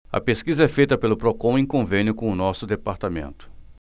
a pesquisa é feita pelo procon em convênio com o diese